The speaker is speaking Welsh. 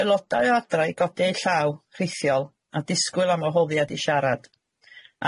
Eulodau o adra i godi eu llaw rhithiol a disgwyl am wahoddiad i shiarad.